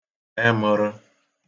ẹmə̣rə̣